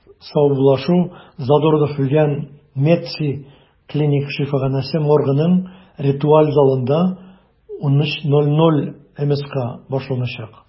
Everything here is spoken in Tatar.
Саубуллашу Задорнов үлгән “МЕДСИ” клиник шифаханәсе моргының ритуаль залында 13:00 (мск) башланачак.